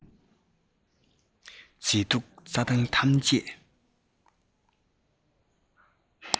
མཛེས སྡུག རྩྭ ཐང ཐམས ཅད